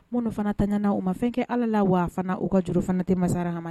Min fana tayana u ma fɛn kɛ ala la wa a fana u ka juru fana tɛ masara hama